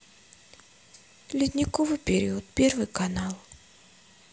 ледниковый период первый канал